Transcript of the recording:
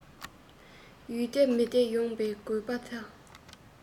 ཡུལ བདེ མི བདེ ཡོངས པའི དགོངས པ དང